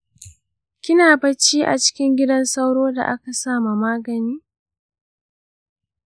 kina bacci a cikin gidan sauro da aka sa ma magani?